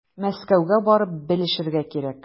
Мәскәүгә барып белешергә кирәк.